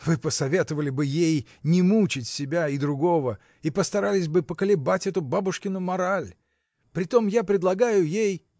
Вы посоветовали бы ей не мучать себя и другого и постарались бы поколебать эту бабушкину мораль. Притом я предлагаю ей.